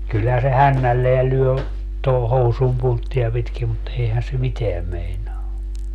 kyllähän se hännällään lyö tuohon housun punttia pitkin mutta eihän se mitään meinaa